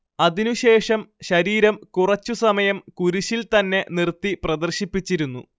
അതിന് ശേഷം ശരീരം കുറച്ചു സമയം കുരിശിൽത്തന്നെ നിർത്തി പ്രദർശിപ്പിച്ചിരുന്നു